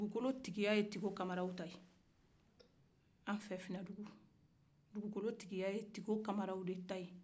dugukolo tigiya ye tigo kamaraw ta ye anw fen